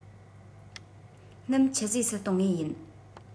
སྣུམ ཆུད ཟོས སུ གཏོང ངེས ཡིན